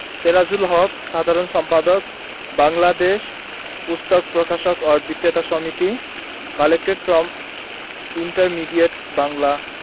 সেরাজুল হক সাধারণ সম্পাদক বাংলাদেশ পুস্তক প্রকাশক ও বিক্রেতা সমিতি Lalkuthi Dhaka ১১ ০২ ১৯৮২ collected from intermediate Bangla